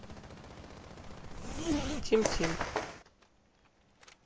тим тим